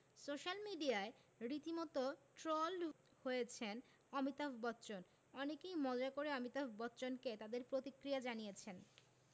social মিডিয়ায় রীতিমতো trolled হয়েছেন অমিতাভ বচ্চন অনেকেই মজা করে অমিতাভ বচ্চনকে তাদের প্রতিক্রিয়া জানিয়েছেন